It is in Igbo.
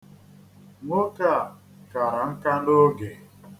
Nwoke a kara nka n'oge.